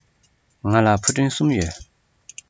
ང ལ ཕུ འདྲེན གསུམ ཡོད